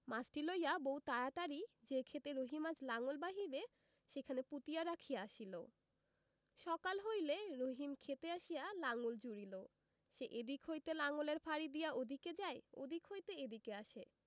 মাছটি লইয়া বউ তাড়াতাড়ি যে ক্ষেতে রহিম আজ লাঙল বাহিবে সেখানে পুঁতিয়া রাখিয়া আসিল সকাল হইলে রহিম ক্ষেতে আসিয়া লাঙল জুড়িল সে এদিক হইতে লাঙলের ফাড়ি দিয়া ওদিকে যায় ওদিক হইতে এদিকে আসে